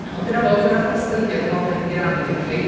Ond dyna fo. Dyna'r holl sleidiau dwi'n meddwl dan ni'n mynd i rannu gyda chi.